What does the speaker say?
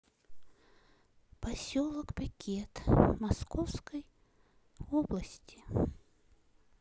поселок брикет московской области